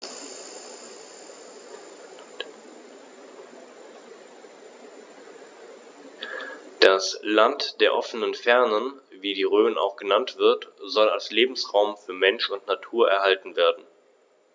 Das „Land der offenen Fernen“, wie die Rhön auch genannt wird, soll als Lebensraum für Mensch und Natur erhalten werden.